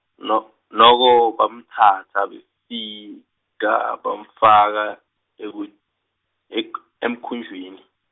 no-, noko bamtsatsa befika bamfaka ekut- ek-, emkhunjini.